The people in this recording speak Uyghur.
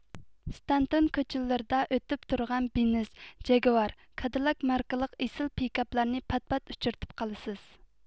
ستانتون كوچىلىرىدا ئۆتۈپ تۇرغان بېنېز جەگۋار كادىلاك ماركىلىق ئېسىل پىكاپلارنى پات پات ئۇچرىتىپ قالىسىز